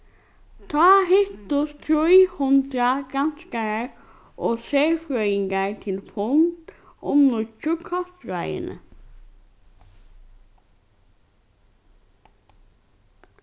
tá hittust trý hundrað granskarar og serfrøðingar til fund um nýggju kostráðini